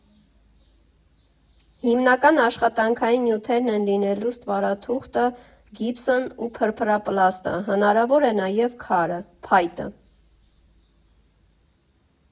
Հիմնական աշխատանքային նյութերն են լինելու ստվարաթուղթը, գիպսն ու փրփրապլաստը, հնարավոր է նաև քարը, փայտը։